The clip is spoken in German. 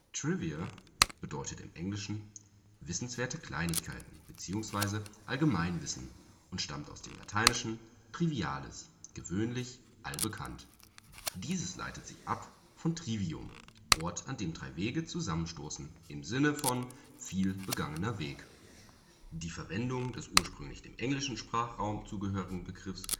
Trivia bedeutet im Englischen „ wissenswerte Kleinigkeiten “bzw. „ Allgemeinwissen “, und stammt aus dem lat. trivialis, „ gewöhnlich, allbekannt “. Dieses leitet sich ab von Trivium, „ Ort, an dem drei Wege zusammenstoßen “im Sinne von „ viel begangener Weg “. Die Verwendung des ursprünglich dem englischen Sprachraum zugehörigen Begriffs